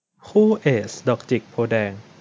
คู่เอซดอกจิกโพธิ์แดง